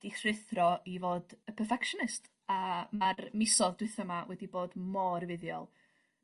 'Di rhuthro i fod y perfectionist a ma'r misodd dwitha 'ma wedi bod mor fuddiol.